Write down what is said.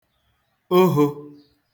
ohō